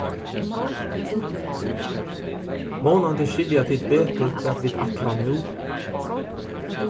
vónandi skilja tit betur hvat vit ætla nú